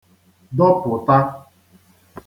dọpụta